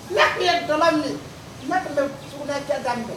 Ne tun ye dɔ min tun bɛ sugunɛ daminɛ